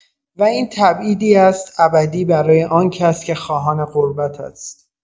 و این تبعیدی است ابدی برای آن‌کس که خواهان غربت است.